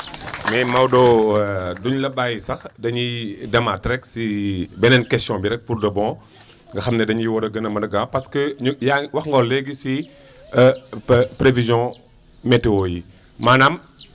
mais Maodo du ñu la bàyyi sax dañuy demaat rek si beneen question bi rek pour de bon nga xam ne dañuy war a gën a mën a gaaw parce que ñu yaa ngi wax nga ko léegi si pré prévision météo yi maanaam